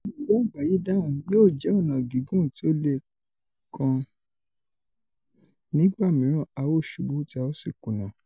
Ọmọ ìlú àgbáyé dáhùn: ''Yóò jẹ́ ọ̀nà gígùn tí ó le kan - nígbà mìíràn a ó súbu tí a ó sì kùnà.